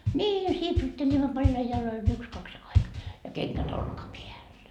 niin sipsuttelimme paljain jaloin yksi kaksi aina ja kengät olkapäällä